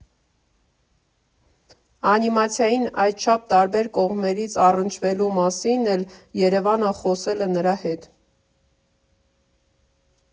Անիմացիային այդչափ տարբեր կողմերից առնչվելու մասին էլ ԵՐԵՎԱՆը խոսել է նրա հետ։